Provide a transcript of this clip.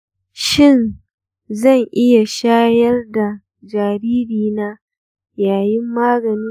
shin zan iya shayar da jaririna yayin maganin cutar daji?